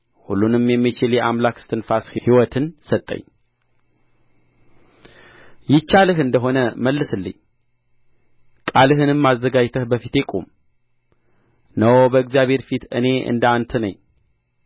ሁሉንም የሚችል የአምላክ እስትንፋስ ሕይወት ሰጠኝ ይቻልህ እንደ ሆነ መልስልኝ ቃልህንም አዘጋጅተህ በፊቴ ቁም እነሆ በእግዚአብሔር ፊት እኔ እንደ አንተ ነኝ